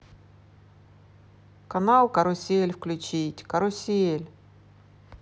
канал карусель включить карусель